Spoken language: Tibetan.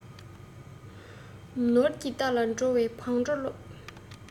ནོར གྱི རྟ ལ འགྲོ བའི བང འགྲོས སློབས